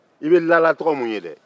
i bɛ lala tɔgɔ minnu ye dɛ